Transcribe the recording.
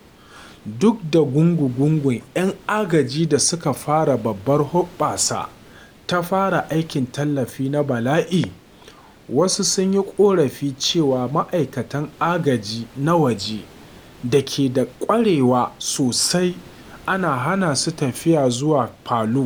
Duk da gungu-gungun ‘yan agaji da suka fara wata babbar hoɓɓasa ta fara aikin tallafi na bala’i, wasu sun yi ƙorafi cewa ma’aikatan agaji na waje da ke da ƙwarewa sosai ana hana su tafiya zuwa Palu.